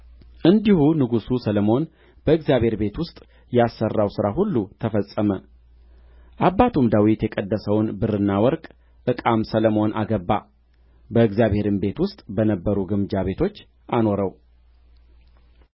እንዲሁ ንጉሡ ሰሎሞን በእግዚአብሔር ቤት ውስጥ ያሠራው ሥራ ሁሉ ተፈጸመ አባቱም ዳዊት የቀደሰውን ብርና ወርቅ ዕቃም ሰሎሞን አገባ በእግዚአብሔርም ቤት ውስጥ በነበሩ ግምጃ ቤቶች አኖረው